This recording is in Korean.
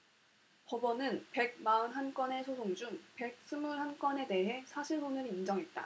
법원은 백 마흔 한 건의 소송 중 백 스물 한 건에 대해 사실혼을 인정했다